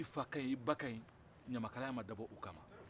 ɲamakalaya ma dabɔ o kama